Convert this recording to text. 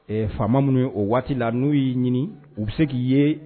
Ɛ faama minnu ye o waati la n'u y'i ɲini u bɛ se k'i ye